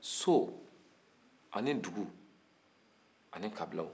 so ani dugu ani kabila